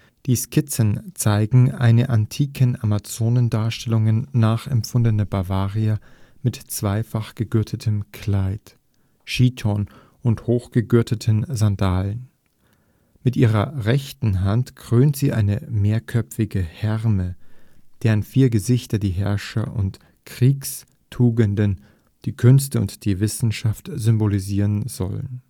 Die Skizzen zeigen eine antiken Amazonendarstellungen nachempfundene Bavaria mit zweifach gegürtetem Kleid (Chiton) und hochgeschnürten Sandalen. Mit ihrer rechten Hand krönt sie eine mehrköpfige Herme, deren vier Gesichter die Herrscher - und Kriegstugenden, die Künste und die Wissenschaft symbolisieren sollen